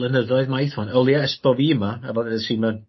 blynyddoedd maith ŵan o leia e's bo' fi yma a fel dedes i ma'n